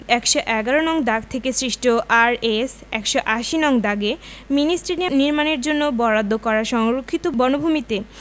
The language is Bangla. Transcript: ১১১ নং দাগ থেকে সৃষ্ট আরএস ১৮০ নং দাগে মিনি স্টেডিয়াম নির্মাণের জন্য বরাদ্দ করা সংরক্ষিত বনভূমিতে